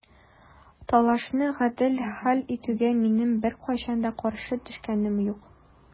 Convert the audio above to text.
Талашны гадел хәл итүгә минем беркайчан да каршы төшкәнем юк.